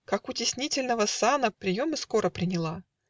Как утеснительного сана Приемы скоро приняла!